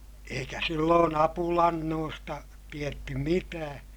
eikä silloin apulannoista tiedetty mitään